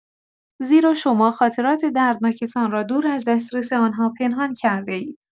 زیرا شما خاطرات دردناکتان را دور از دسترس آن‌ها پنهان کرده‌اید.